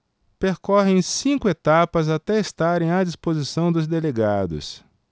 percorrem cinco etapas até estarem à disposição dos delegados